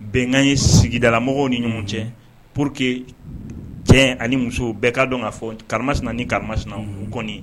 Bɛnkan ye sigidala mɔgɔw ni ɲuman cɛ pour que cɛ ani musow bɛɛ ka dɔn kaa fɔ karas ni karasina u kɔni